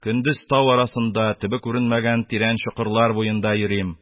Көндез тау арасында, төбе күренмәгән тирән чокырлар буенда йөрим.